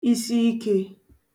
isi ikē